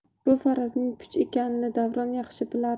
bu farazning puch ekanini davron yaxshi bilardi